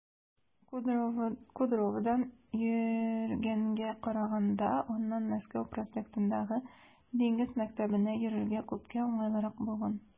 Кудроводан йөргәнгә караганда аннан Мәскәү проспектындагы Диңгез мәктәбенә йөрергә күпкә уңайлырак булган.